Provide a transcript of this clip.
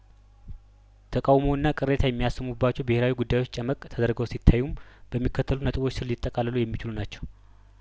ተቃውሞና ቅሬታ የሚያሰሙባቸው ብሄራዊ ጉዳዮች ጨመቅ ተደርገው ሲታዩም በሚከተሉት ነጥቦች ስር ሊጠቃለሉ የሚችሉ ናቸው